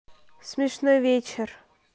смешной вечер